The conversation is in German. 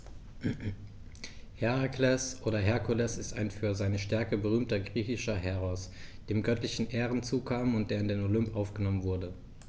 Herakles oder Herkules ist ein für seine Stärke berühmter griechischer Heros, dem göttliche Ehren zukamen und der in den Olymp aufgenommen wurde.